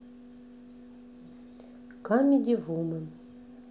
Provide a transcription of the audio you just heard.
камеди вумен